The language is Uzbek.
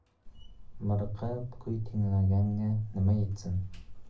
miriqib kuy tinglaganga nima yetsin